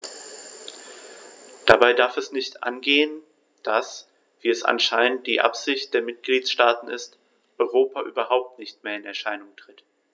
Dabei darf es nicht angehen, dass - wie es anscheinend die Absicht der Mitgliedsstaaten ist - Europa überhaupt nicht mehr in Erscheinung tritt.